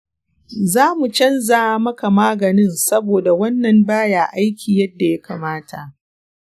zamu canza maka magani saboda wannan ba ya aiki yadda ya kamata.